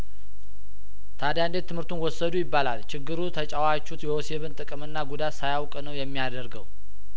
ታድ ያእንዴት ትምህርቱን ወሰዱ ይባላል ችግሩ ተጫዋቹ የወሲብን ጥቅምና ጉዳት ሳያውቅ ነው የሚያደርገው